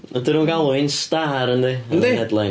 Ydyn nhw'n galw hi'n star yn y... Yndi. ...Headline?